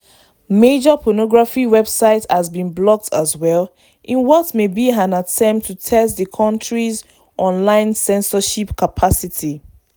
Major pornography websites have been blocked as well, in what may be an attempt to test the country’s online censorship capacity.